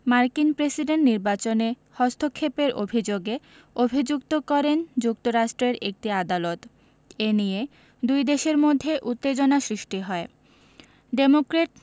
মার্কিন প্রেসিডেন্ট নির্বাচনে হস্তক্ষেপের অভিযোগে অভিযুক্ত করেন যুক্তরাষ্ট্রের একটি আদালত এ নিয়ে দুই দেশের মধ্যে উত্তেজনা সৃষ্টি হয় ডেমোক্র্যাট